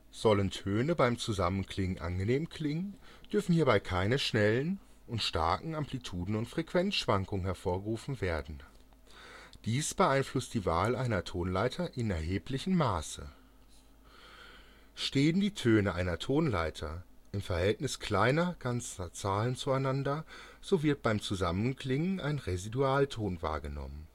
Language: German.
Sollen Töne beim Zusammenklingen angenehm klingen, dürfen hierbei keine starken und schnellen Amplituden - und Frequenzschwankungen hervorgerufen werden. Dies beeinflusst die Wahl einer Tonleiterin erheblichem Maße: Stehen die Töne einer Tonleiter im Verhältnis kleiner ganzer Zahlen zueinander, so wird beim Zusammenklingen ein Residualton wahrgenommen